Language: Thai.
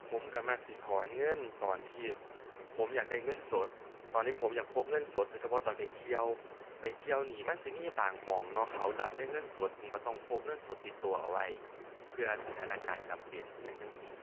ผมก็มักสิถอนเงินตอนที่ผมอยากได้เงินสด ตอนที่ผมอยากพกเงินสด โดยเฉพาะตอนไปเที่ยว ไปเที่ยวนี่มันสิมีบางหม้องเนาะ เขารับแต่เงินสดผมก็ต้องพกเงินสดติดก็เอาไว้ เผื่อสถานการณ์จำเป็นอิหยังจั่งซี้